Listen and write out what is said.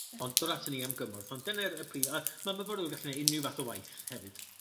Ond dod aton ni am gymorth ond dyne'r y prif... A ma' myfyrwyr yn gallu neu' unryw fath o waith hefyd.